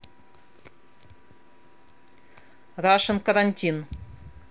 рашен карантин